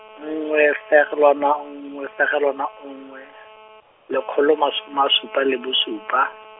nngwe fegelwa na nngwe fegelwa na nngwe, lekgolo mas- ma- supa le bosupa.